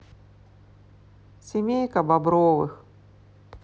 семейка бобровых